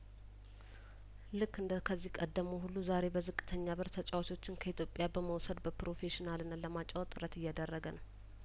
ልክ እንደከዚህ ቀደሙ ሁሉ ዛሬ በዝቅተኛ ብር ተጫዋቾችን ከኢትዮጵያ በመውሰድ በፕሮፌሽናልነት ለማ ጫወት ጥረት እያደረገ ነው